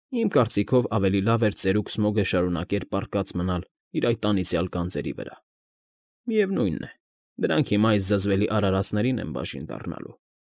Իմ կարծիքով, ավելի լավ էր ծերուկ Սմոգը շարունակեր պառկած մնալ իր այդ անիծյալ գանձերի վրա, միևնույն է, դրանք հիմա այս զզվելի արարածներին են բաժին դառնալու։